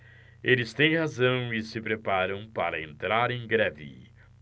eles têm razão e se preparam para entrar em greve